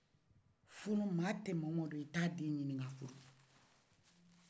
fɔlɔ maa tɛ maa dɔ i t'a den ɲini ka furu